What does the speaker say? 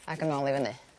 ag yn ôl i fyny.